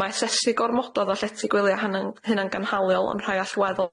Mae asesu gormododd a llety gwylia hunangynhaliol yn rhai allweddol